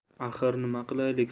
axir nima qilaylik